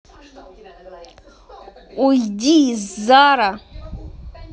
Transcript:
уйди из zara